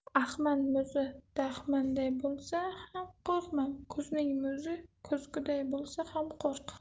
ahman muzi dahmonday bo'lsa ham qo'rqma kuzning muzi ko'zguday bo'lsa ham qo'rq